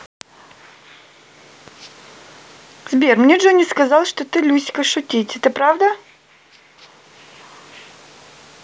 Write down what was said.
сбер мне джон сказал что ты люська шутить это правда